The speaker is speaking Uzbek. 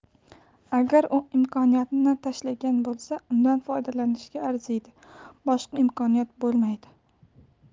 agar u imkoniyatni tashlagan bo'lsa undan foydalanishga arziydi boshqa imkoniyat bo'lmaydi